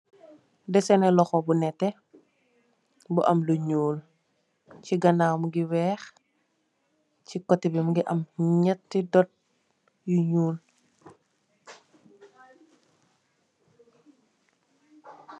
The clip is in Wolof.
Desene lohou bu neteh bu am lu nuul se ganaw muge weex se koteh be muge am nyate dot yu nuul.